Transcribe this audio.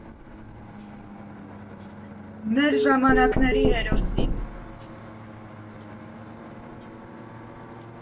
Մեր ժամանակների հերոսի։